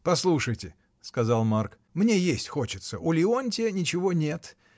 — Послушайте, — сказал Марк, — мне есть хочется: у Леонтья ничего нет.